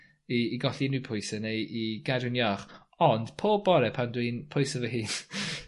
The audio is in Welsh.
i i golli unryw pwyse neu i gadw'n iach. Ond pob bore pan dwi'n pwyso fy hun